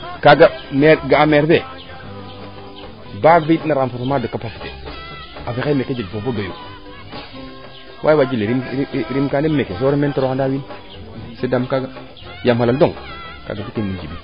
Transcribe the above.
kaaga ga'a maire fee ba fi'it ina renforcement de capacité a fexey meeke jeé foofo doyua waay wajile rim kaaneem neeke so ref meen toraxanda wiin we sedaam kaaga yaam xalal dong kaaga fi ki num Djiby